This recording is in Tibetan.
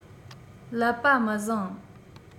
ཀླད པ མི བཟང